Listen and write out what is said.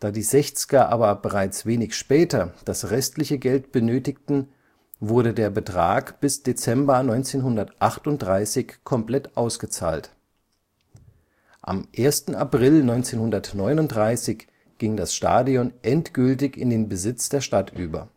die Sechzger aber bereits wenig später das restliche Geld benötigten, wurde der Betrag bis Dezember 1938 komplett ausgezahlt. Am 1. April 1939 ging das Stadion endgültig in den Besitz der Stadt über